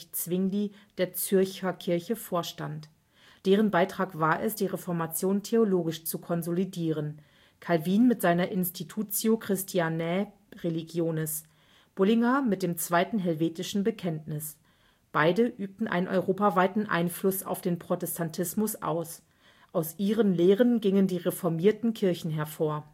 Zwingli der Zürcher Kirche vorstand. Deren Beitrag war es, die Reformation theologisch zu konsolidieren – Calvin mit seiner Institutio Christianae Religionis, Bullinger mit dem Zweiten Helvetischen Bekenntnis. Beide übten einen europaweiten Einfluss auf den Protestantismus aus. Aus ihren Lehren gingen die reformierten Kirchen hervor